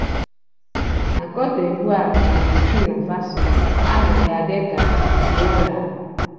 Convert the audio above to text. Na Cote d'Ivoire na Burkina Faso, a ma ya dịka Dioula.